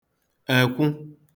èkwụ